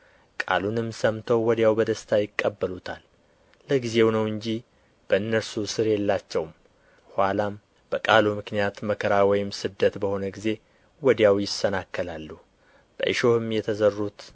ቃሉንም ሰምተው ወዲያው በደስታ ይቀበሉታል ለጊዜውም ነው እንጂ በእነርሱ ሥር የላቸውም ኋላም በቃሉ ምክንያት መከራ ወይም ስደት በሆነ ጊዜ ወዲያው ይሰናከላሉ በእሾህም የተዘሩት